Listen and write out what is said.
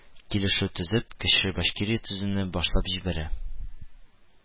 Килешү төзеп, кече башкирия төзүне башлап җибәрә